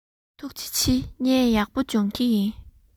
ཐུགས རྗེ ཆེ ངས ཡག པོ སྦྱོང གི ཡིན